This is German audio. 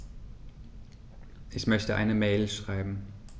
Ich möchte eine Mail schreiben.